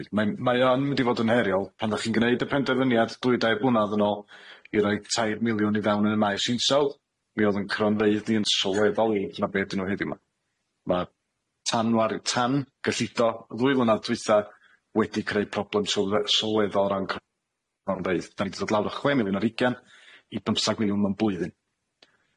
Mae ma yn mynd i fod yn heriol, pan dach chi'n gneud y penderfyniad dwy dair blynadd yn ôl, i roi tair miliwn i fewn yn y maes hinsawdd, mi o'dd 'yn cronfeydd ni yn sylweddol i 'na be dy'n n'w heddiw ma', ma' tanwar- tan-gyllido ddwy flynadd dwytha wedi creu problem sylwe- sylweddol o ran cr- cronfeydd da ni di dod lawr â chwe miliwn ar ugain, i bymthag miliwn mewn blwyddyn.